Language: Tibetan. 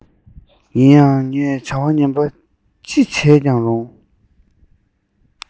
ཡིན ཡང ངས བྱ བ ངན པ ཅི བྱས ཀྱང རུང